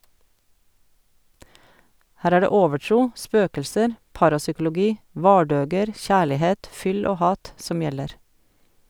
Her er det overtro, spøkelser, parapsykologi, vardøger, kjærlighet, fyll og hat som gjelder.